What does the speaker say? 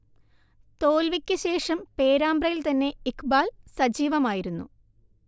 തോൽവിക്ക് ശേഷം പേരാമ്പ്രയിൽ തന്നെ ഇഖ്ബാൽ സജീവമായിരുന്നു